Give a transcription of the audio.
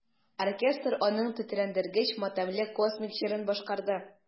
Оркестр аның тетрәндергеч матәмле космик җырын башкарды.